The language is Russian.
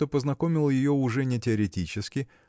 что познакомил ее уже не теоретически